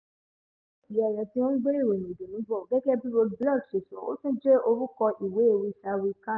Bubisher túmọ̀ sí "ẹyẹ tí ó ń gbé ìròyìn ìdùnnú bọ̀." Gẹ́gẹ́ bí Roge Blog ṣe sọ, ó tún jẹ́ orúkọ ìwé ewì Saharaui kan.